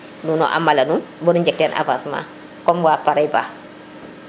nuno a mala nuun bonu njeg teen avancement comme wa Parba